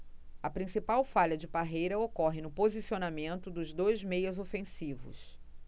a principal falha de parreira ocorre no posicionamento dos dois meias ofensivos